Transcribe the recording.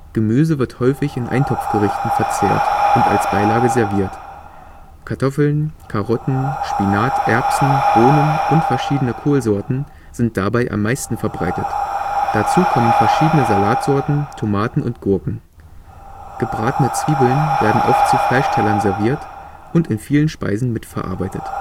Gemüse wird häufig in Eintopfgerichten verzehrt und als Beilage serviert. Kartoffeln, Karotten, Spinat, Erbsen, Bohnen und verschiedene Kohlsorten sind dabei am meisten verbreitet, dazu kommen verschiedene Salatsorten, Tomaten und Gurken. Gebratene Zwiebeln werden oft zu Fleischtellern serviert und in vielen Speisen mitverarbeitet